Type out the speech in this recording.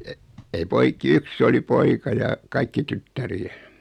- ei poikia yksi oli poika ja kaikki tyttäriä